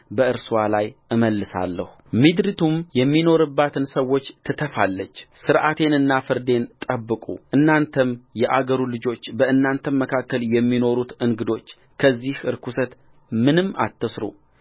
በእርስዋ ላይ እመልሳለሁ ምድሪቱም የሚኖሩባትን ሰዎች ትተፋለችሥርዓቴንና ፍርዴን ጠብቁ እናንተም የአገሩ ልጆች በእናንተም መካከል የሚኖሩት እንግዶች ከዚህ ርኵሰት ምንም አትሥሩ